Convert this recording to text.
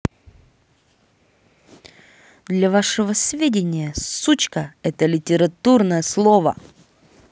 для вашего сведения сучка это литературное слово